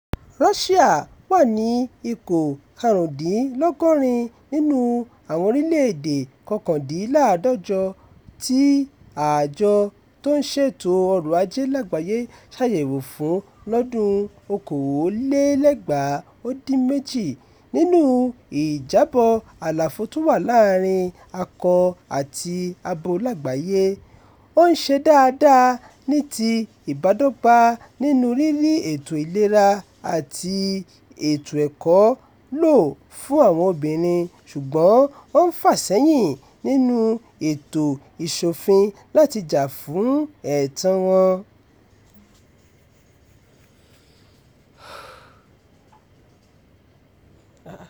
Russia wà ní ipò 75 nínú àwọn orílẹ̀-èdè 149 tí Àjọ tó-ń-ṣètò-ọrọ̀-Ajé Lágbàáyé ṣàyẹ̀wò fún lọ́dún 2018 nínú Ìjábọ̀ Àlàfo tó wà láàárín Akọ àti Abo Lágbàáyé, ó ń ṣe dáadáa ní ti ìbádọ́gbà nínú rírí ètò ìlera àti ètò ẹ̀kọ́ lò fún àwọn obìnrin, ṣùgbọ́n wọ́n ń fà sẹ́yìn nínú ètò ìṣòfin láti jà fún ẹ̀tọ́ọ wọn.